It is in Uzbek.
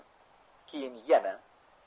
keyin yana